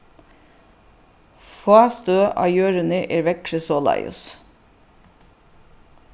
fá støð á jørðini er veðrið soleiðis